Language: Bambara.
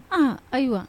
Aa ayiwa